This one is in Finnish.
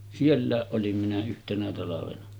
sielläkin olin minä yhtenä talvena